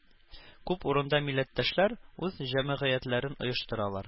Күп урында милләттәшләр үз җәмгыятьләрен оештыралар